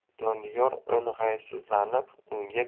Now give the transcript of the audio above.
doniyor o'ng'aysizlanib unga